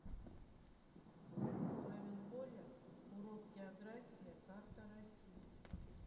павел воля урок географии карта россии